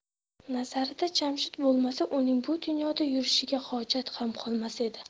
nazarida jamshid bo'lmasa uning bu dunyoda yurishiga hojat ham qolmas edi